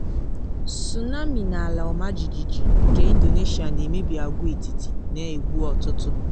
Tsunami na Ala Ọmajijiji nke Indonesia Na Emebi Agwa-etiti, Na Egbu Ọtụtụ